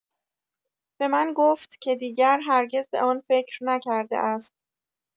به من گفت که دیگر هرگز به آن فکر نکرده است.